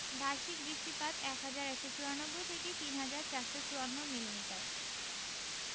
বার্ষিক বৃষ্টিপাত ১হাজার ১৯৪ থেকে ৩হাজার ৪৫৪ মিলিমিটার